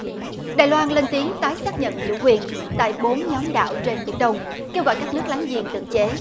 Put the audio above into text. đài loan lên tiếng tái xác nhận chủ quyền tại bốn nhóm đảo trên biển đông kêu gọi các nước láng giềng cưỡng chế